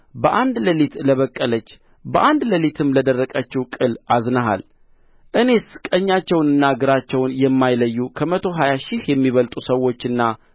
በአንድ ሌሊትም ለደረቀችው ቅል አዝነሃል እኔስ ቀኛቸውንና ግራቸውን የማይለዩ ከመቶ ሀያ ሺህ የሚበልጡ ሰዎችና